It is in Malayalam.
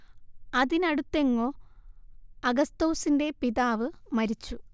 അതിനടുത്തെങ്ങോ അഗസ്തോസിന്റെ പിതാവ് മരിച്ചു